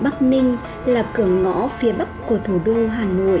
bắc ninh là cửa ngõ phía bắc của thủ đô hà nội